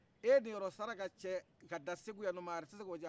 e ninyɔrɔsara ka da segu yannɔ maa wɛrɛ tise k'o cɛ wa